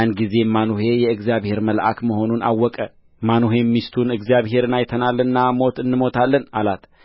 ያን ጊዜም ማኑሄ የእግዚአብሔር መልአክ መሆኑን አወቀ ማኑሄም ሚስቱን እግዚአብሔርን አይተናልና ሞት እንሞታለን አላት ሚስቱም